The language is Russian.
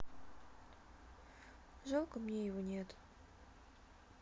жалко мне его нету